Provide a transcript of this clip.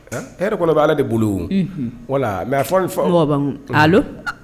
Hɛrɛ kɔnɔ bɛ ala de bolo wala mɛ